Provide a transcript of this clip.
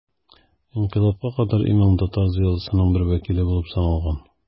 Инкыйлабка кадәр имам татар зыялысының бер вәкиле булып саналган.